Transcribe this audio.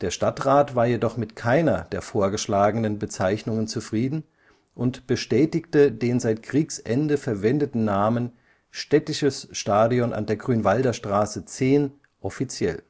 Stadtrat war jedoch mit keiner der vorgeschlagenen Bezeichnungen zufrieden und bestätigte den seit Kriegsende verwendeten Namen „ Städtisches Stadion an der Grünwalder Straße 10 “offiziell